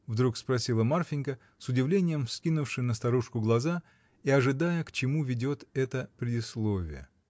— вдруг спросила Марфинька, с удивлением вскинувши на старушку глаза и ожидая, к чему ведет это предисловие.